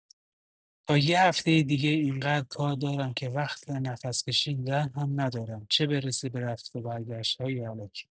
تا یه هفته دیگه این‌قدر کار دارم که وقت نفس‌کشیدن هم ندارم، چه برسه به رفت‌وبرگشت‌های الکی.